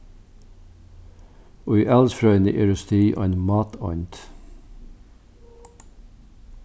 í alisfrøðini eru stig ein máteind